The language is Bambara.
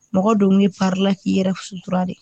Mɔgɔ don bɛ farirla k'i yɛrɛ sutura de